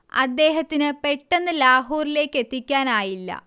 അദ്ദേഹത്തിന് പെട്ടെന്ന് ലാഹോറിലേക്കെത്തിക്കാനായില്ല